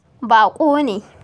Baƙo ne.